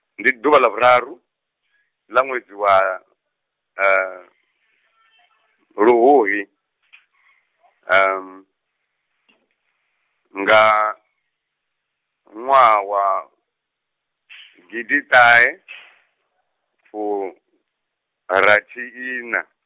ndi ḓuvha ḽa vhuraru, ḽa ṅwedzi wa, luhuhi, nga, ṅwaha wa, gidiṱahefurathiiṋa-.